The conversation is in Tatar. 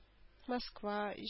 Москва